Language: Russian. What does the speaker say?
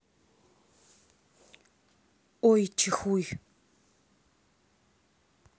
ой чихуй